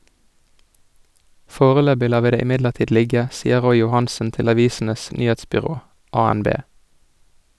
Foreløpig lar vi det imidlertid ligge, sier Roy Johansen til Avisenes Nyhetsbyrå (ANB).